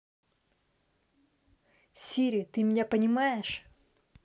сири ты меня понимаешь